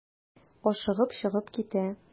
Ашыгып чыгып китә.